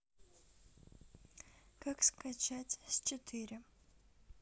как скачать с четыре